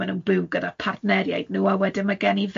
maen nhw'n byw gyda partneriaid nhw, a wedyn ma' gen i